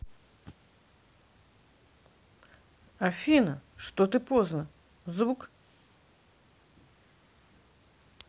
афина что ты поздно звук